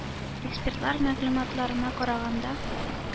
Экспертлар мәгълүматларына караганда,